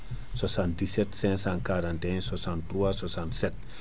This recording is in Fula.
77 541 63 67